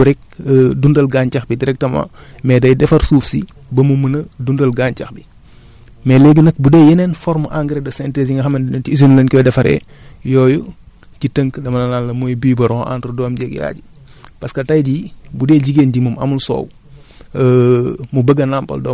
matière organique du dafay ñëw rekk dundal gàncax bi directement mais day defar suuf si ba mu mën a dundal gàncax bi mais léegi nag bu dee yeneen formes engrais de synthèse yi nga xamante ne ci usine la ñu koy defaree yooyu ci tënk dama naan la mooy biberon entre doom jeeg yaay ji parce que tay jii bu dee jigéen ji moom amul soow